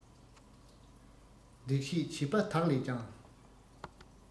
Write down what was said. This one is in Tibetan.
ལེགས བཤད བྱིས པ དག ལས ཀྱང